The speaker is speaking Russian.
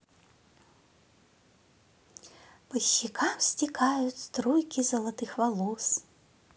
по щекам стекают струйки золотых волос